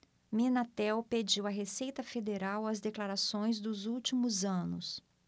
minatel pediu à receita federal as declarações dos últimos anos